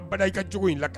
Ba' i ka cogo in la